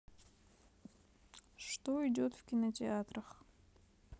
что идет в кинотеатрах